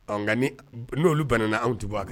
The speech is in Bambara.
Ɔ nka n'olu ban na anw tɛ b'a kɛ